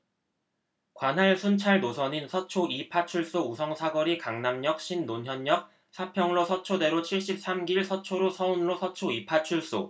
관할 순찰 노선인 서초 이 파출소 우성사거리 강남역 신논현역 사평로 서초대로 칠십 삼 길 서초로 서운로 서초 이 파출소